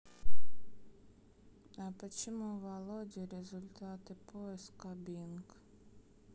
а почему володе результаты поиска bing